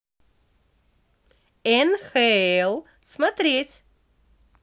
нхл смотреть